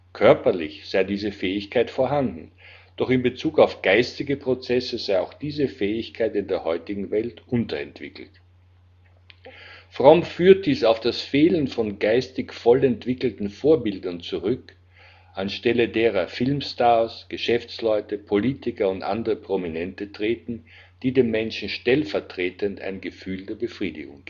Körperlich sei diese Fähigkeit vorhanden, doch in Bezug auf geistige Prozesse sei auch diese Fähigkeit in der heutigen Welt unterentwickelt. Fromm führt dies auf das Fehlen von geistig voll entwickelten Vorbildern zurück, anstelle derer Filmstars, Geschäftsleute, Politiker und andere Prominente treten, die dem Menschen stellvertretend ein Gefühl der Befriedigung